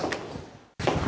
em